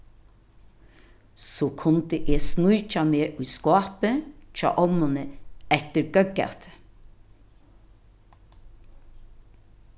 so kundi eg sníkja meg í skápið hjá ommuni eftir góðgæti